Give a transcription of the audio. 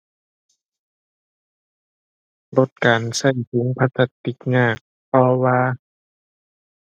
ลดการใช้ถุงพลาสติกยาก เพราะว่า